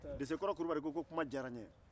desekɔrɔ kulubali ko kuma diya n ye